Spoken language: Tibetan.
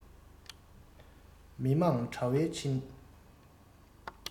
མི དམངས དྲ བའི འཕྲིན